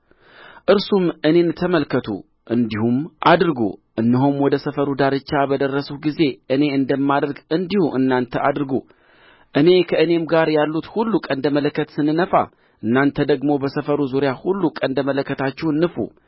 እርሱም እኔን ተመልከቱ እንዲሁም አድርጉ እነሆም ወደ ሰፈሩ ዳርቻ በደረስሁ ጊዜ እኔ እንደማደርግ እንዲሁ እናንተ አድርጉ